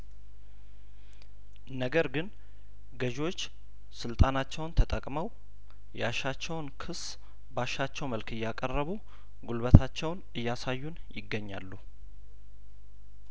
ነገር ግን ገዢዎች ስልጣናቸውን ተጠቅመው ያሻቸውን ክስ ባሻቸው መልክ እያቀረቡ ጉልበታቸውን እያሳዩን ይገኛሉ